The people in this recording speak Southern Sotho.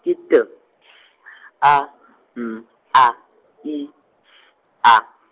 ke T, S , A , M, A, I, S, A.